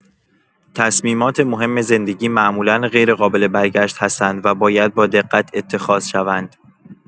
تصمیمات مهم زندگی معمولا غیرقابل‌برگشت هستند و باید با دقت اتخاذ شوند.